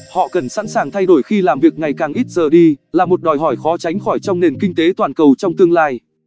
họ cần sẵn sàng thay đổi khi làm việc ngày càng ít giờ đi là một đòi hỏi khó tránh khỏi trong nền kinh tế toàn cầu trong tương lai